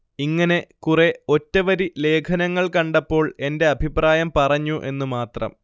ഇങ്ങനെ കുറെ ഒറ്റവരി ലേഖനങ്ങൾ കണ്ടപ്പോൾ എന്റെ അഭിപ്രായം പറഞ്ഞു എന്നു മാത്രം